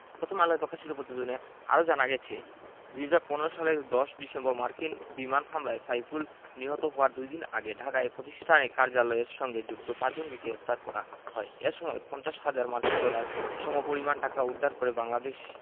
প্রথম আলোয় প্রকাশিত প্রতিবেদনে আরও জানা গেছে ২০১৫ সালের ১০ ডিসেম্বর মার্কিন বিমান হামলায় সাইফুল নিহত হওয়ার দুদিন আগে ঢাকায় প্রতিষ্ঠানটিক কার্যালয়ের সঙ্গে যুক্ত পাঁচজনকে গ্রেপ্তার করা হয় এ সময় ৫০ হাজার মার্কিন ডলারের সমপরিমাণ টাকা উদ্ধার করে বাংলাদেশ